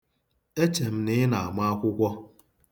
Eche m na ị na-ama akwụkwọ.